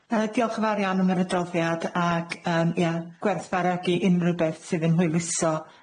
Yy diolch yn fawr iawn am yr adroddiad ag yym ia, gwerthfawrogi unryw beth sydd yn hwyluso